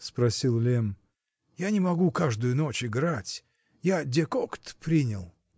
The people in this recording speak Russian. -- спросил Лемм, -- я не могу каждую ночь играть, я декокт принял.